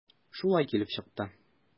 Шулай килеп чыкты.